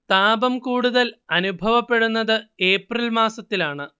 താപം കൂടുതൽ അനുഭവപ്പെടുന്നത് ഏപ്രിൽ മാസത്തിലാണ്